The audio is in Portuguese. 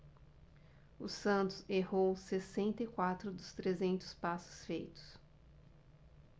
o santos errou sessenta e quatro dos trezentos passes feitos